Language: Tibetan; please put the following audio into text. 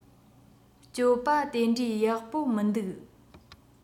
སྤྱོད པ དེ འདྲའི ཡག པོ མི འདུག